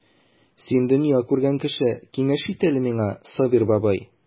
Син дөнья күргән кеше, киңәш ит әле миңа, Сабир бабай.